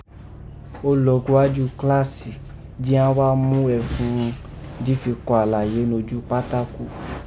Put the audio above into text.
Ó lọ igwájú kilasì jí án wa mú ẹfun ghun ji fi kọ alaye noju pátákó.